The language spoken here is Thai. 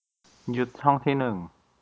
ยึดช่องที่หนึ่ง